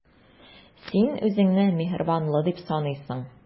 Син үзеңне миһербанлы дип саныйсың.